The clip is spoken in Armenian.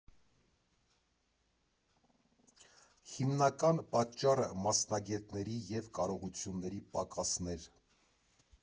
Հիմնական պատճառը մասնագետների և կարողությունների պակասն էր։